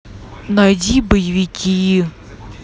найди боевики